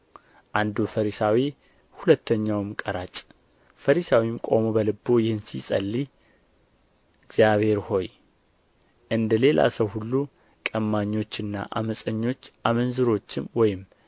አንዱ ፈሪሳዊ ሁለተኛውም ቀራጭ ፈሪሳዊም ቆሞ በልቡ ይህን ሲጸልይ እግዚአብሔር ሆይ እንደ ሌላ ሰው ሁሉ ቀማኞችና ዓመፀኞች አመንዝሮችም ወይም